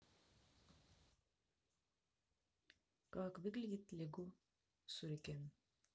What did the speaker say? как выглядит лего suriken